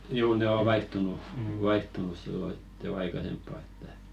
juu ne on vaihtunut vaihtunut silloin sitten jo aikaisempaan että